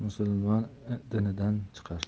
musulmon dinidan chiqar